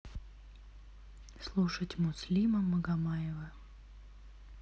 слушать муслима магомаева